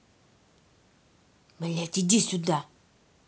блядь иди сюда